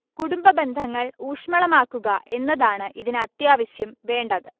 കുടുംബബന്ധങ്ങൾ ഊഷ്മളമാക്കുക എന്നതാണ് ഇതിന് അത്യാവശ്യം വേണ്ടത്